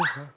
hả